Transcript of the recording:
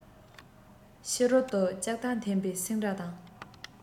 ཕྱི རོལ དུ ལྕགས ཐག འཐེན པའི སིང སྒྲ དང